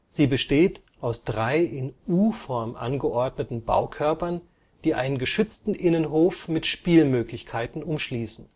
Sie besteht aus drei in U-Form angeordneten Baukörpern, die einen geschützten Innenhof mit Spielmöglichkeiten umschließen